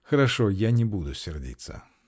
-- Хорошо, я не буду сердиться.